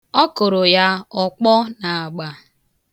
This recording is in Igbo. Ọ kụrụ ya ọkpọ n'agba.